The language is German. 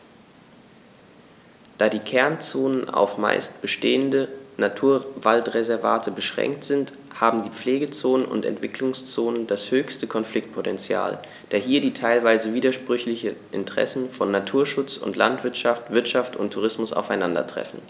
Da die Kernzonen auf – zumeist bestehende – Naturwaldreservate beschränkt sind, haben die Pflegezonen und Entwicklungszonen das höchste Konfliktpotential, da hier die teilweise widersprüchlichen Interessen von Naturschutz und Landwirtschaft, Wirtschaft und Tourismus aufeinandertreffen.